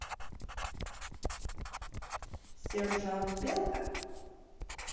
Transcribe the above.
сержант белка